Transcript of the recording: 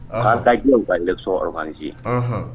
'a dajɛ kasɔn ti ye